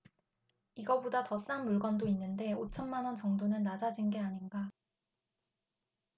이거보다 더 싼 물건도 있는데 오 천만 원 정도는 낮아진 게 아닌가